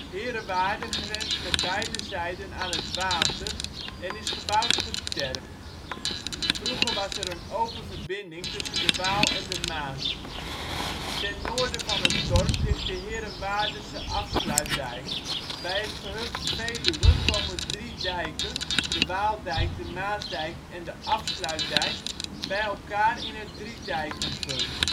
Heerewaarden grenst met beide zijden aan het water en is gebouwd op een terp. Vroeger was er een open verbinding tussen de Waal en de Maas. Ten noorden van het dorp ligt de Heerewaardense Afsluitdijk. Bij het gehucht Veluwe komen drie dijken (Waaldijk, de Maasdijk en de Afsluitdijk) bij elkaar in het Drie Dijkenpunt